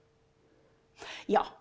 ja.